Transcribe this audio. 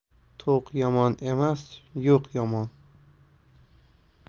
to'q yomon emas yo'q yomon